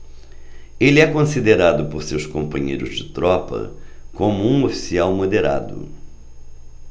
ele é considerado por seus companheiros de tropa como um oficial moderado